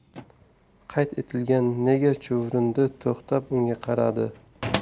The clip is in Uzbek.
qayd etilgan nega chuvrindi to'xtab unga qaradi